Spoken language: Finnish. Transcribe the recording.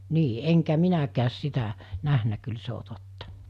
niin enkä minäkään sitä nähnyt kyllä se on totta